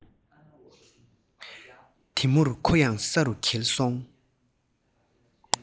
དེ མུར ཁོ ཡང ས རུ འགྱེལ སོང